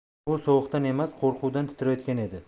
u sovuqdan emas qo'rquvdan titrayotgan edi